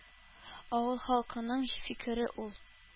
Авыл халкының фикере ул.